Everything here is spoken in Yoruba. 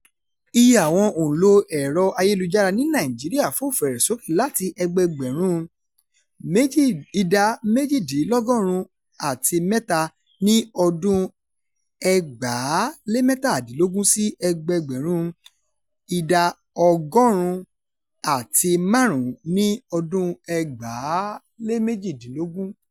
Iye àwọn òǹlò ẹ̀rọ ayélujára ní Nàìjíríà fò fẹ̀rẹ̀ sókè láti ẹgbẹẹgbẹ̀rún 98.3 ní ọdún-un 2017 sí ẹgbẹẹgbẹ̀rún 100.5 ní 2018.